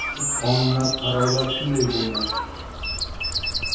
ko'p qonunlar qarorlar shunday bo'lgan